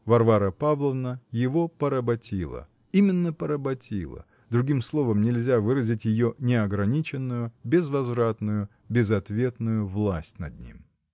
Варвара Павловна его поработила, именно поработила: другим словом нельзя выразить ее неограниченную, безвозвратную, безответную власть над ним.